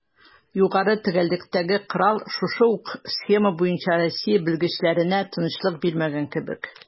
Югары төгәллектәге корал шушы ук схема буенча Россия белгечләренә тынычлык бирмәгән кебек: